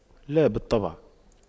لا بالطبع